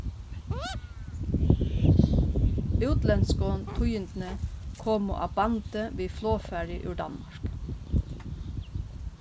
útlendskum tíðindini komu á bandi við flogfari úr danmark